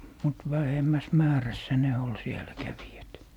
mutta vähemmässä määrässä ne oli siellä kävijät